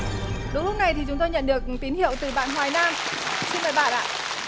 đúng lúc này thì chúng tôi nhận được tín hiệu từ bạn hoài nam xin mời bạn ạ